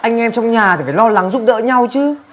anh em trong nhà thì phải lo lắng giúp đỡ nhau chứ